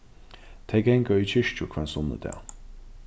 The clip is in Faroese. tey ganga í kirkju hvønn sunnudag